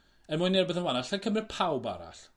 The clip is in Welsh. er mwyn neu' rwbeth yn wanol 'llai cymryd pawb arall?